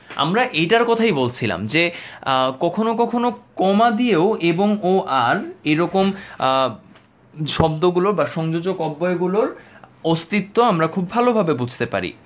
আমরা এটার কথাই বলছিলাম যে কখনো কখনো কমাদি ও এবং ও আর এরকম শব্দগুলো বা সংযোজক অব্যয় গুলোর অস্তিত্ব আমরা খুব ভালোভাবে বুঝতে পারি